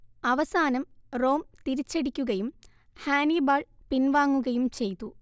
അവസാനം റോം തിരിച്ചടിക്കുകയും ഹാനിബാൾ പിൻവാങ്ങുകയും ചെയ്തു